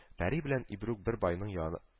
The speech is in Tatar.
Пәри белән Ибрук бер байның янына